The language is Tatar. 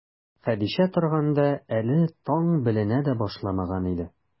Хәдичә торганда, әле таң беленә дә башламаган иде.